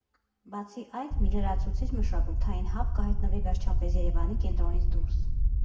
Բացի այդ, մի լրացուցիչ մշակութային հաբ կհայտնվի վերջապես Երևանի կենտրոնից դուրս։